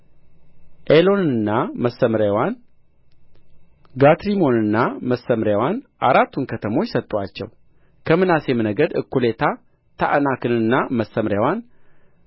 ኤሎንንና መሰምርያዋን ጋትሪሞንንና መሰምርያዋን አራቱን ከተሞች ሰጡአቸው ከምናሴም ነገድ እኩሌታ ታዕናክንና መሰምርያዋን